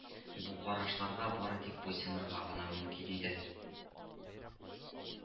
Бу карашларга бары тик буйсынырга гына мөмкин иде